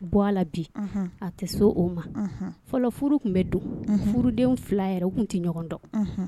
Bɔ ala bi a tɛ so o ma fɔlɔ furu tun bɛ don furuden 2 yɛrɛ u tun tɛ ɲɔgɔn dɔn